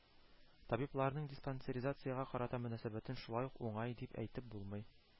Табибларның диспансеризациягә карата мөнәсәбәтен шулай ук уңай дип әйтеп булмый